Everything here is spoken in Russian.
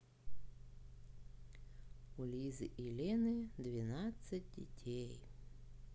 у лизы и лены двенадцать детей